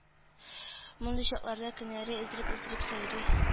Мондый чакларда кенәри өздереп-өздереп сайрый